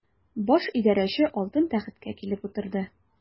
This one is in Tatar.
Баш идарәче алтын тәхеткә килеп утырды.